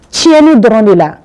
Tiɲɛɲɛnin dɔrɔn de la